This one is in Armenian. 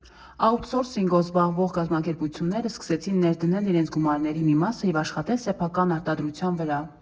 Աութսորսինգով զբաղվող կազմակերպությունները սկսեցին ներդնել իրենց գումարների մի մասը և աշխատել սեփական արտադրության վրա։